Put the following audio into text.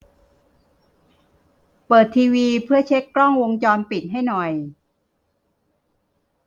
เปิดทีวีเพื่อเช็คกล้องวงจรปิดให้หน่อย